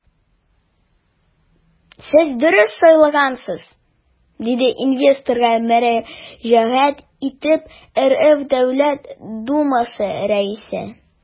Сез дөрес сайлагансыз, - диде инвесторга мөрәҗәгать итеп РФ Дәүләт Думасы Рәисе.